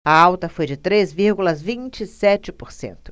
a alta foi de três vírgula vinte e sete por cento